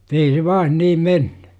mutta ei se vain niin mennyt